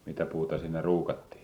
mitä puuta siinä ruukattiin